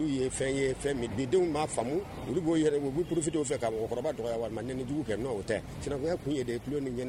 Olu ye fɛn ye fɛn didenw b'a faamumu olu b'o yɛrɛ u b'u kuruurfi dɔw fɛ kkɔrɔba dɔgɔ walima n dugu kɛ n'o tɛ sinanya tun ye de tulo ni